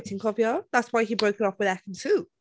Ti'n cofio? That's why he broke it off with Ekin-Su.